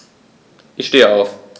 Ich stehe auf.